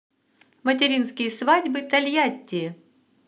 материнские свадьбы тольятти